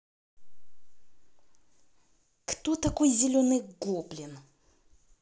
кто такой зеленый гоблин